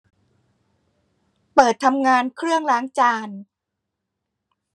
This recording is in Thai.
เปิดทำงานเครื่องล้างจาน